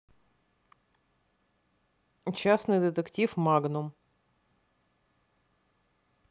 частный детектив магнум